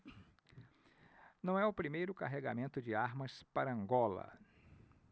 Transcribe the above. não é o primeiro carregamento de armas para angola